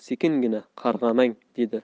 sekingina qarg'amang dedi